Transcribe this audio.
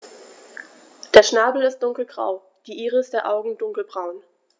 Der Schnabel ist dunkelgrau, die Iris der Augen dunkelbraun.